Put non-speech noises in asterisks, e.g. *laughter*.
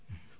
*hesitation* *hesitation*